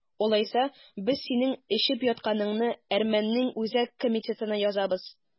Алайса, без синең эчеп ятканыңны әрмәннең үзәк комитетына язабыз!